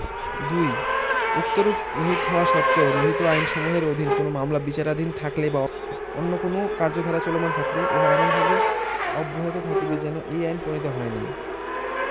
২ উক্তরূপ রহিত হওয়া সত্ত্বেও রহিত আইনসমূহের অধীন কোন মামলা বিচারাধীন থাকলে বা অন্য কোন কার্যধারা চলমান থাকলে উহা এমনভাবে অব্যাহত থাকিবে যেন এই আইন প্রণীত হয় নাই